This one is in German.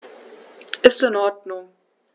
Ist in Ordnung.